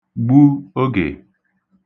gbu ogè